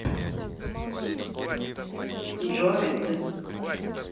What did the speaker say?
joy д